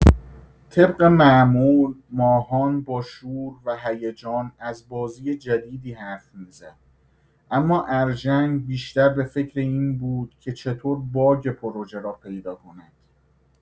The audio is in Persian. طبق معمول، ماهان با شور و هیجان از بازی جدیدی حرف می‌زد اما ارژنگ بیشتر به فکر این بود که چطور باگ پروژه را پیدا کند.